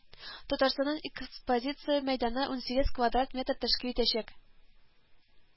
Татарстаннан экспозиция мәйданы унсигез квадрат метр тәшкил итәчәк